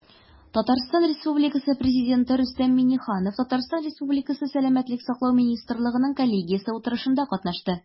Татарстан Республикасы Президенты Рөстәм Миңнеханов ТР Сәламәтлек саклау министрлыгының коллегиясе утырышында катнашты.